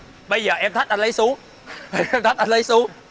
bây giờ em thách anh lấy xuống thách anh lấy xuống